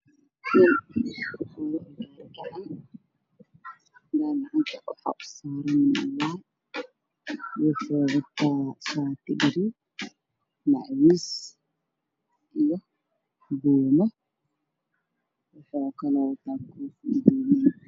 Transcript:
Waxaa ii muuqda laba nin mid uu gaari gacan ku wado qashin uu wata hay waxaa ka dambeeyay gurya jajaban